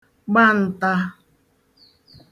gba ǹta